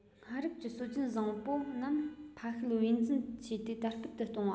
སྔ རབས ཀྱི སྲོལ རྒྱུན བཟང པོ རྣམས ཕ ཤུལ བུས འཛིན བྱས ཏེ དར འཕེལ དུ གཏོང བ